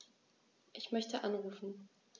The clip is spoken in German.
Ich möchte anrufen.